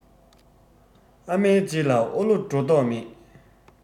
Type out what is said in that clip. ཨ མའི རྗེས ལ ཨོ ལོ འགྲོ མདོག མེད